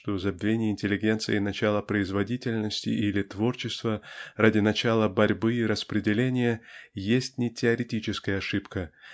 что забвение интеллигенцией начала производительности или творчества ради начала борьбы и распределения есть не теоретическая ошибка